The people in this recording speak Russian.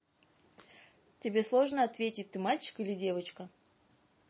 тебе что сложно ответить ты мальчик или девочка